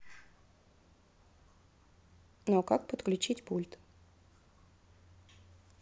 ну а как подключить пульт